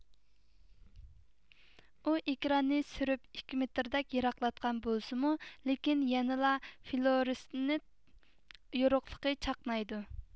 ئۇ ئېكراننى سۈرۈپ ئىككى مېتىردەك يىراقلاتقان بولسىمۇ لېكىن يەنىلا فلۇئورسېنت يورۇقلۇقى چاقنايدۇ